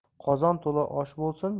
qozon to'la osh bo'lsin